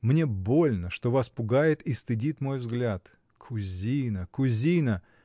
Мне больно, что вас пугает и стыдит мой взгляд. кузина, кузина!